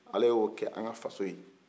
ala y'o kɛ an ka faso ye